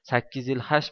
sakkiz yil xash